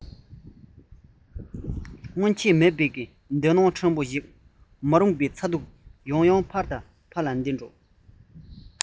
སྔར མེད ཀྱི བདེ སྣང ཕྲན བུ ཞིག སྟེར མ རུངས པའི ཚ གདུག ཡང ཡང ཕར དང ཕར ལ བདས འགྲོ